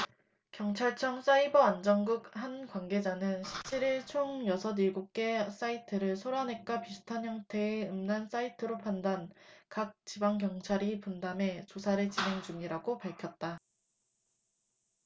경찰청 사이버안전국 한 관계자는 십 칠 일 총 여섯 일곱 개 사이트를 소라넷과 비슷한 형태의 음란 사이트로 판단 각 지방경찰청이 분담해 조사를 진행중이라고 밝혔다